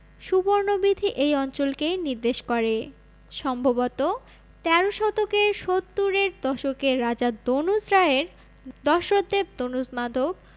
সুবর্ণবীথি এই অঞ্চলকেই নির্দেশ করে সম্ভবত তেরো শতকের সত্তুরের দশকে রাজা দনুজ রায়ের দশরথদেব দনুজমাধব